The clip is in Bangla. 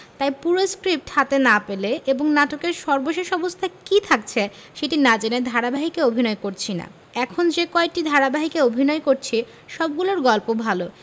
তাই পুরো স্ক্রিপ্ট হাতে না পেলে এবং নাটকের সর্বশেষ অবস্থা কী থাকছে সেটি না জেনে ধারাবাহিকে অভিনয় করছি না এখন যে কয়টি ধারাবাহিকে অভিনয় করছি সবগুলোর গল্প ভালো